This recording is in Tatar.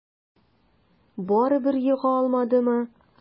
Барыбер ега алмадымы?